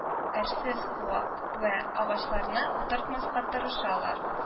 Әрсез куак вә агачлапны утыртмаска тырышалар